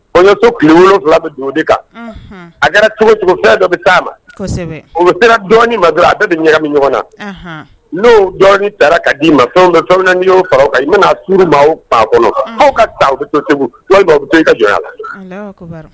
Kɔɲɔ to tilewula bɛ dugu kan a kɛra cogocogofɛn dɔ bɛ taama ma o bɛ sera ma don a bɛ ɲaga ɲɔgɔn na n'o dɔɔnin taara' d'i ma fɛn bɛ'o fara kan i mana ma kɔnɔ aw ka taa bɛ to bɛ to ka jɔn la